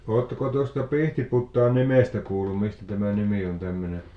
oletteko tuosta Pihtiputaan nimestä kuullut mistä tämä nimi on tämmöinen